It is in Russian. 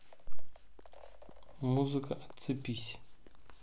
музыка отцепись